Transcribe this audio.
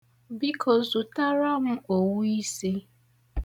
Biko zụtara m owu isi.